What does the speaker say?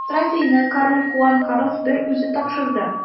Трофейны король Хуан Карлос I үзе тапшырды.